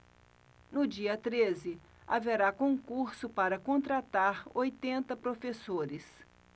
no dia treze haverá concurso para contratar oitenta professores